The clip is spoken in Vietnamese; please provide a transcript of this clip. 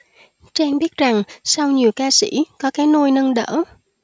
trang biết rằng sau nhiều ca sĩ có cái nôi nâng đỡ